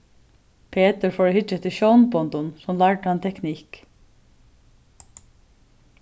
petur fór at hyggja eftir sjónbondum sum lærdu hann teknikk